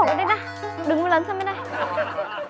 tay ra đừng có lấn sang bên đây